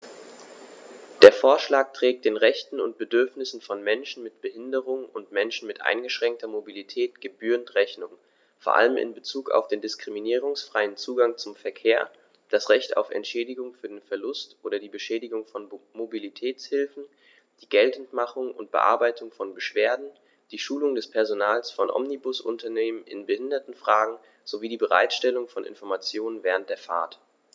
Der Vorschlag trägt den Rechten und Bedürfnissen von Menschen mit Behinderung und Menschen mit eingeschränkter Mobilität gebührend Rechnung, vor allem in Bezug auf den diskriminierungsfreien Zugang zum Verkehr, das Recht auf Entschädigung für den Verlust oder die Beschädigung von Mobilitätshilfen, die Geltendmachung und Bearbeitung von Beschwerden, die Schulung des Personals von Omnibusunternehmen in Behindertenfragen sowie die Bereitstellung von Informationen während der Fahrt.